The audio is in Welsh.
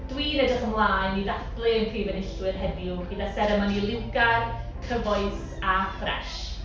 Dwi'n edrych ymlaen i ddathlu ein prif enillwyr heddiw gyda seremoni liwgar, cyfoes a fresh.